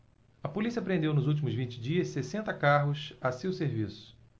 a polícia apreendeu nos últimos vinte dias sessenta carros a seu serviço